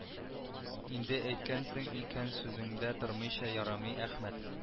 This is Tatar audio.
Инде әйткәнсең икән сүзеңдә тормыйча ярамый әхмәт